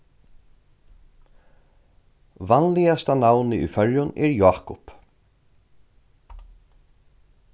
vanligasta navnið í føroyum er jákup